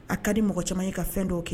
A ka di mɔgɔ caman ye ka fɛn dɔw o kɛ